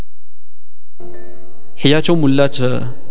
حياكم الله